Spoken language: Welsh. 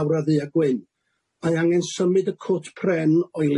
lawr a ddu a gwyn mae angen symud y cwt pren o'i